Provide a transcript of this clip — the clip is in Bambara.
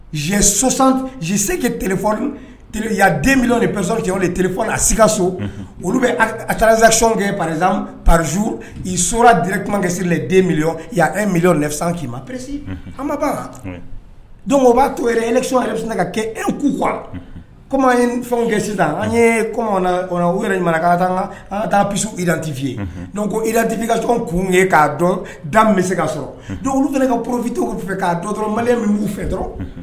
Sɔse t den mi p cɛfɔ sika so olu bɛ a taarazcɔn kɛ paz pazo i so d kukɛsiri den mi' e mili k'i ma p anba dɔnku o b'a to yɛrɛ esɔn yɛrɛ ka kɛ e kuu kuwa kɔn fɛn kɛ sisan an ye yɛrɛ k' taa taa idtifinye ko idtifin ka c kun ye k'a dɔn da bɛ se ka sɔrɔ olu nana ka porofin fɛ k kaa dɔ dɔrɔn mali min b'u fɛ dɔrɔn